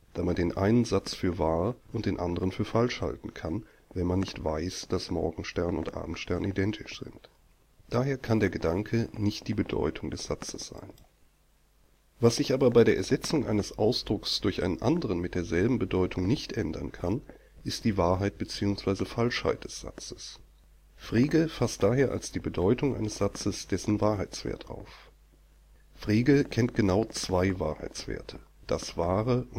da man den einen Satz für wahr und den anderen für falsch halten kann, wenn man nicht weiß, dass Morgenstern und Abendstern identisch sind. Daher kann der Gedanke nicht die Bedeutung des Satzes sein. Was sich aber bei der Ersetzung eines Ausdrucks durch einen anderen mit derselben Bedeutung nicht ändern kann, ist die Wahrheit bzw. Falschheit des Satzes. Frege fasst daher als die Bedeutung eines Satzes dessen „ Wahrheitswert “auf (S. 34). Frege kennt genau zwei Wahrheitswerte: „ das Wahre